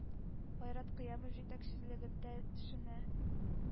Айрат Кыямов җитәкчелегендә төшенә.